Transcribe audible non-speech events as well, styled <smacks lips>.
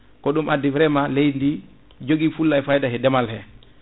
ko ɗum addi vraiment leydi ndi joogui fulla e fayida e ndeemal he <smacks lips>